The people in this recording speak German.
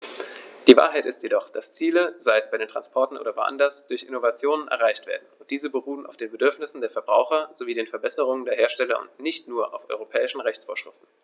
Die Wahrheit ist jedoch, dass Ziele, sei es bei Transportern oder woanders, durch Innovationen erreicht werden, und diese beruhen auf den Bedürfnissen der Verbraucher sowie den Verbesserungen der Hersteller und nicht nur auf europäischen Rechtsvorschriften.